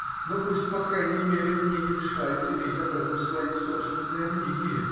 Но пусть по крайней мере мне не мешают иметь об этом свое собственное мнение.